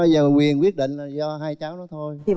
giờ quyền quyết định là do hai cháu nói thôi